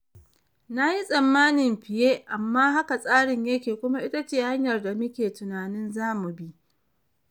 Na yi tsammanin fiye, amma haka tsarin ya ke kuma itace hanyar da mu ke tunanin za mu bi.